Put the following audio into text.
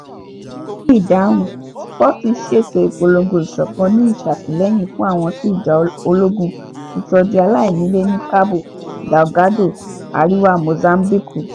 Ní ìdáhùn, Sporting ṣètò ìpolongo ìṣọ̀kan ní ìṣàtilẹyìn fún àwọn tí ìjà ológun ti sọ di aláìnílé ní Cabo Delgado, àríwá Mozambique.